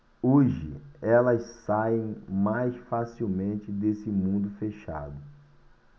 hoje elas saem mais facilmente desse mundo fechado